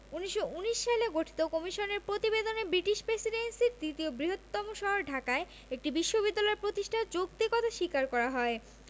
১৯১৯ সালে গঠিত কমিশনের প্রতিবেদনে ব্রিটিশ প্রেসিডেন্সির দ্বিতীয় বৃহত্তম শহর ঢাকায় একটি বিশ্ববিদ্যালয় প্রতিষ্ঠার যৌক্তিকতা স্বীকার করা হয়